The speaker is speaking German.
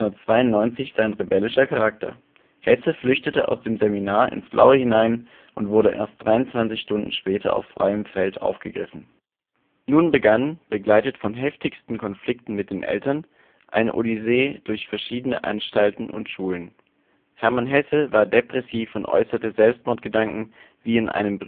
1892 sein rebellischer Charakter: Hesse flüchtete aus dem Seminar ins Blaue hinein und wurde erst 23 Stunden später auf freiem Feld aufgegriffen. Nun begann, begleitet von heftigsten Konflikten mit den Eltern, eine Odyssee durch verschiedene Anstalten und Schulen. Hermann Hesse war depressiv und äußerte Selbstmordgedanken ("...